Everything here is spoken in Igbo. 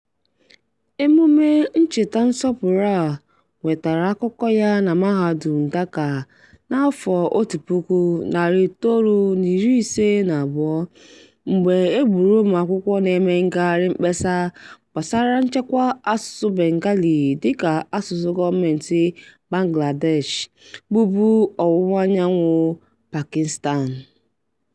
Emume ncheta nsọpụrụ a nwetara akụkọ ya na Mahadum Dhaka na 1952 mgbe e gburu ụmụakwụkwọ na-eme ngagharị mkpesa gbasara nchekwa asụsụ Bengali dịka asụsụ gọọmentị Bangladesh (bụbụ ọwụwaanyanwụ Pakistan).